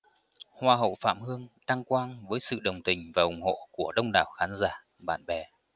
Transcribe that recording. hoa hậu phạm hương đăng quang với sự đồng tình và ủng hộ của đông đảo khán giả bạn bè